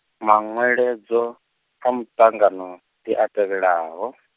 manweledzo, a muṱangano, ndi a tevhelaho .